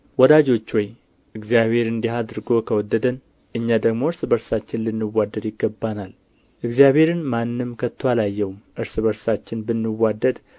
ወዳጆች ሆይ እግዚአብሔር እንዲህ አድርጎ ከወደደን እኛ ደግሞ እርስ በርሳችን ልንዋደድ ይገባናል እግዚአብሔርን ማንም ከቶ አላየውም እርስ በርሳችን ብንዋደድ